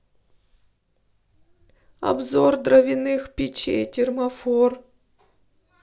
обзор дровяных печей термофор